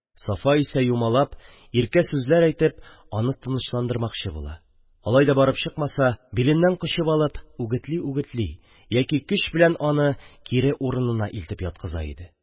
Сафа исә юмалап, иркә сүзләр әйтеп аны тынычландырмакчы була, алай да барып чыкмаса, биленнән кочып алып, үгетли-үгетли яки көч белән аны кире урынына илтеп яткыза иде.